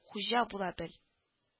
Хуҗа була бел